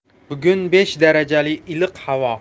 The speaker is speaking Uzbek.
bugun besh darajali iliq havo